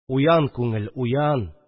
Уян, күңел, уян